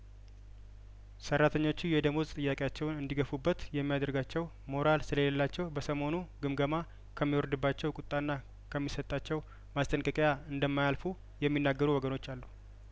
ሰራተኞቹ የደመወዝ ጥያቄያቸውን እንዲ ገፋበት የሚያደርጋቸው ሞራል ስለሌላቸው በሰሞኑ ግምገማ ከሚወርድባቸው ቁጣና ከሚሰጣቸው ማስጠንቀቂያ እንደማያልፉ የሚናገሩ ወገኖች አሉ